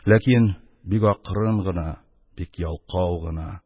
Ләкин бик акрын гына, бик ялкау гына.